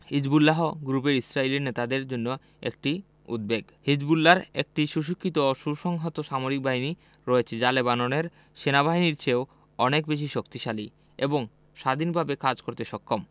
Hezbollah group Israeli নেতাদের জন্য একটি উদ্বেগ হিজবুল্লাহর একটি সুশিক্ষিত ও সুসংহত সামরিক বাহিনী রয়েছে যা লেবাননের সেনাবাহিনীর চেয়েও অনেক বেশি শক্তিশালী এবং স্বাধীনভাবে কাজ করতে সক্ষম